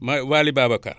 ma Waly Babacar